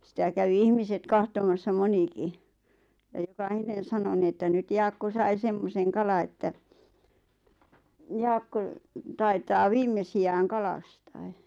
sitä kävi ihmiset katsomassa monikin ja jokainen sanoi niin että nyt Jaakko sai semmoisen kalan että Jaakko taitaa viimeisiään kalastaa